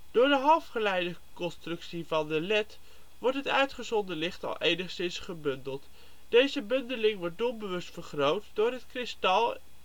Door de halfgeleiderconstructie van een led wordt het uitgezonden licht al enigszins gebundeld. Deze bundeling wordt doelbewust vergroot door het kristal